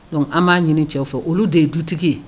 Dɔnku an b'a ɲini cɛw fɛ olu de ye dutigi ye